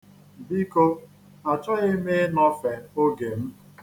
Biko, achọghị m ịnọfe oge m.